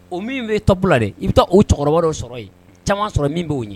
O min bɛ e tɔ bolo de i bɛ taa o cɛkɔrɔba dɔ sɔrɔ yen caman sɔrɔ min b bɛ'o ɲɛ